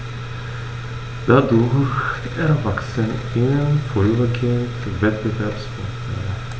Dadurch erwachsen ihnen vorübergehend Wettbewerbsvorteile.